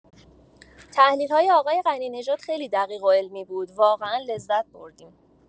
تحلیل‌های آقای غنی‌نژاد خیلی دقیق و علمی بود، واقعا لذت بردیم.